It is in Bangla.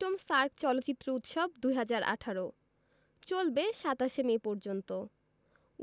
৮ম সার্ক চলচ্চিত্র উৎসব ২০১৮ চলবে ২৭ মে পর্যন্ত